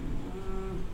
Un